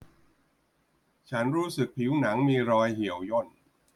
ฉันรู้สึกผิวหนังมีรอยเหี่ยวย่น